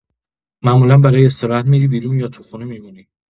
معمولا برای استراحت می‌ری بیرون یا تو خونه می‌مونی؟